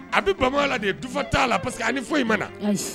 A bɛ bama la de ye du'a la parce que a ni foyi in ma na